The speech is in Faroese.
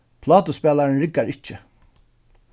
plátuspælarin riggar ikki